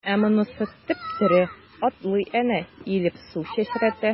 Ә монысы— теп-тере, атлый әнә, иелеп су чәчрәтә.